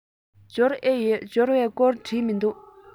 འབྱོར ཨེ ཡོད འབྱོར བའི སྐོར བྲིས མི འདུག